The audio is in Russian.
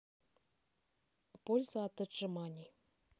польза от отжиманий